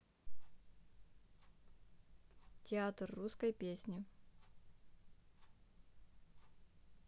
театр русской песни